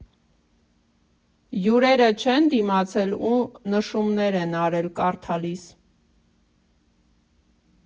Հյուրերը չեն դիմացել ու նշումներ են արել կարդալիս։